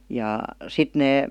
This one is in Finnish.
ja sitten ne